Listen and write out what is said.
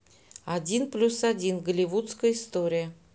один плюс один голливудская история